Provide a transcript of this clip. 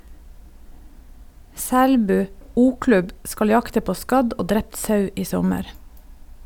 Selbu o-klubb skal jakte på skadd og drept sau i sommer.